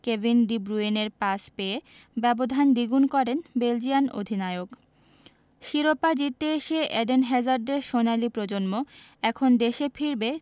Kevin De ব্রুইনের পাস পেয়ে ব্যবধান দ্বিগুণ করেন বেলজিয়ান অধিনায়ক শিরোপা জিততে এসে এডেন হ্যাজার্ডদের সোনালি প্রজন্ম এখন দেশে ফিরবে